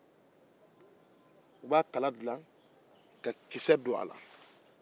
a bɛ fɔ o ma ko jele